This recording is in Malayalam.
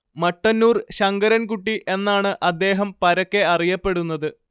മട്ടന്നൂർ ശങ്കരൻ കുട്ടി എന്നാണ് അദ്ദേഹം പരക്കെ അറിയപ്പെടുന്നത്